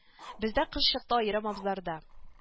Бездә кыш чыкты аерым абзарда